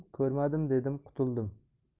ko'rmadim dedim qutuldim